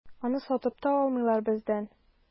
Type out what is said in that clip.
Аны сатып та алмыйлар бездән.